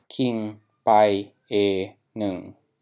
คิงไปเอหนึ่ง